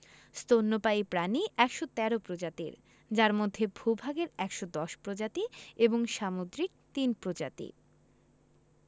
স্তন্যপায়ী প্রাণী ১১৩ প্রজাতির যার মধ্যে ভূ ভাগের ১১০ প্রজাতি ও সামুদ্রিক ৩ প্রজাতি